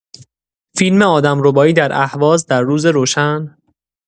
فیلم آدم‌ربایی در اهواز در روز روشن!